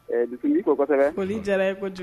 Dugutigi ko koli diyara ye kojugu